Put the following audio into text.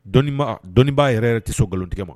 Dɔnnimaa dɔnnibaa yɛrɛ yɛrɛ tɛ sɔn galontigɛ ma